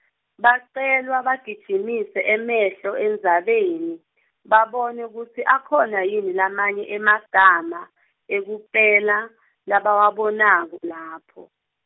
Bacelwa bagijimise emehlo endzabeni, babone kutsi akhona yini lamanye emagama, ekupela, labawabonako lapho.